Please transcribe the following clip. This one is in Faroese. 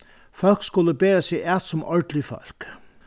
fólk skulu bera seg at sum ordilig fólk